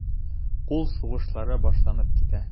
Кул сугышлары башланып китә.